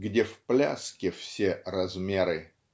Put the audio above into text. Где в пляске все размеры.